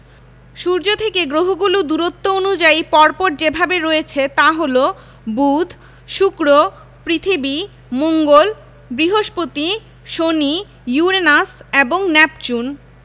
সূর্য থেকে গ্রহগুলো দূরত্ব অনুযায়ী পর পর যেভাবে রয়েছে তা হলো বুধ শুক্র পৃথিবী মঙ্গল বৃহস্পতি শনি ইউরেনাস এবং নেপচুন